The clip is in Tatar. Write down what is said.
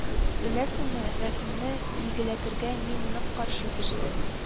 Беләсеңме, Рәхимне билгеләтергә мин ник каршы төштем